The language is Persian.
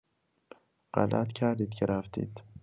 غلط کردید که رفتید!